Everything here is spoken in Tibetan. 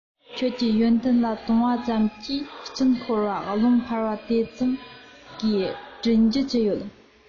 ཁྱོད ཀྱི ཡོན ཏན ལ བཏུངས པ ཙམ གྱིས གཅིན ཤོར བ རླུང འཕར བ དེ ཙམ གས དྲིན རྒྱུ ཅི ཡོད